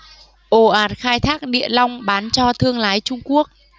ồ ạt khai thác địa long bán cho thương lái trung quốc